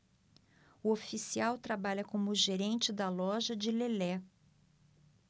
o oficial trabalha como gerente da loja de lelé